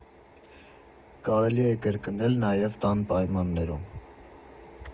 Կարելի է կրկնել նաև տան պայմաններում։